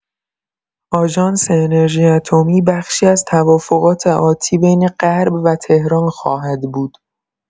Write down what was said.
آژانس انرژی اتمی بخشی از توافقات آتی بین غرب و تهران خواهد بود.